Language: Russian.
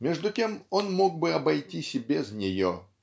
между тем он мог бы обойтись и без нее